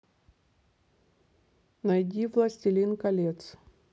найди властелин колец